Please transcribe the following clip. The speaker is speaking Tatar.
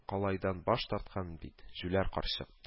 Калайдан баш тарткан бит, жүләр карчык